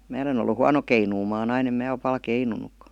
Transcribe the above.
minä olen ollut huono keinumaan aina en minä ole paljon keinunutkaan